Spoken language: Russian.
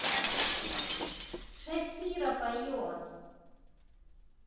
шакира поет